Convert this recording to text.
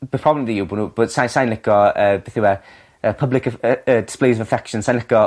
by- problem fi yw bo' n'w bod sai sai'n lico yy beth yw e yy public eff- yy yy displays of affection sai'n lico